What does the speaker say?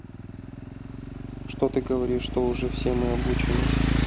что ты говоришь что уже все мы обучены